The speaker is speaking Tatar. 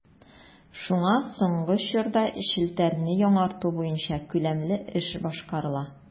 Шуңа соңгы чорда челтәрне яңарту буенча күләмле эш башкарыла.